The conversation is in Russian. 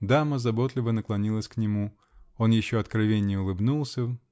Дама заботливо наклонилась к нему. Он еще откровеннее улыбнулся.